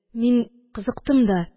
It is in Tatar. Мин кызыктым да